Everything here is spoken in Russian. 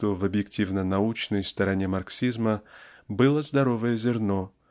что в объективно-научной стороне марксизма было здоровое зерно